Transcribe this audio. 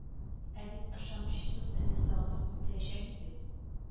Ә бит ышанычсыз энесе аны үтерәчәк иде